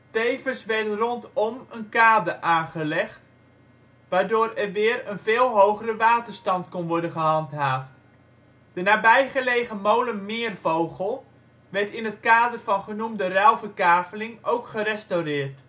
Tevens werd rondom een kade aangelegd, waardoor er weer een (veel) hogere waterstand kon worden gehandhaafd. De nabijgelegen molen Meervogel werd in het kader van genoemde ruilverkaveling ook gerestaureerd